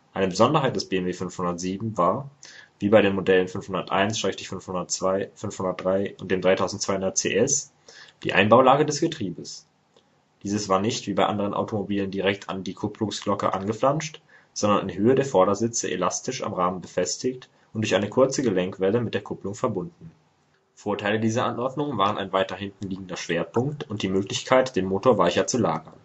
Eine Besonderheit des BMW 507 war, wie bei den Modellen 501/502, 503 und dem 3200 CS, die Einbaulage des Getriebes: dieses war nicht wie bei anderen Automobilen direkt an die Kupplungsglocke angeflanscht, sondern in Höhe der Vordersitze elastisch am Rahmen befestigt und durch eine kurze Gelenkwelle mit der Kupplung verbunden. Vorteile dieser Anordnung waren ein weiter hinten liegender Schwerpunkt und die Möglichkeit, den Motor weicher zu lagern